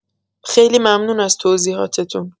خیلی ممنون از توضیحاتتون